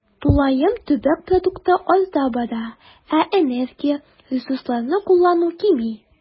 Тулаем төбәк продукты арта бара, ә энергия, ресурсларны куллану кими.